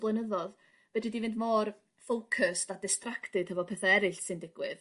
blynyddodd fedri di fynd mor focused a distracted hefo petha eryll sy'n digwydd